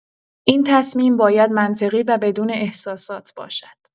این تصمیم باید منطقی و بدون احساسات باشد.